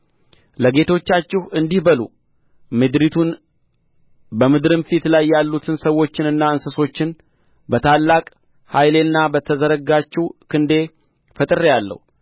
ለጌቶቻችሁ እንዲህ በሉ ምድሪቱን በምድርም ፊት ላይ ያሉትን ሰዎችንና እንስሶችን በታላቅ ኃይሌና በተዘረጋችው ክንዴ ፈጥሬአለሁ